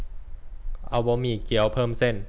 เอาบะหมี่เกี๊ยวเพิ่มเส้น